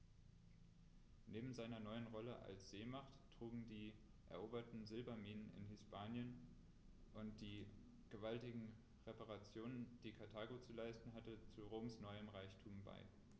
Neben seiner neuen Rolle als Seemacht trugen auch die eroberten Silberminen in Hispanien und die gewaltigen Reparationen, die Karthago zu leisten hatte, zu Roms neuem Reichtum bei.